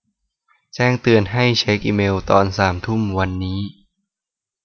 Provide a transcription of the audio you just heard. แจ้งเตือนให้เช็คอีเมล์ตอนสามทุ่มวันนี้